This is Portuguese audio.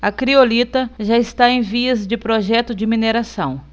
a criolita já está em vias de projeto de mineração